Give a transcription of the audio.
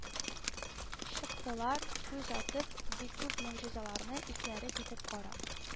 Чыктылар, күз атып, бик күп могҗизаларны исләре китеп карап